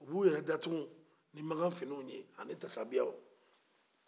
u bɛ u yɛrɛ datuku ni makanfiniw ye ani tasabiya